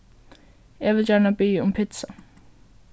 eg vil gjarna biðja um pitsa